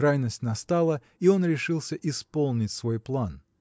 крайность настала, и он решился исполнить свой план.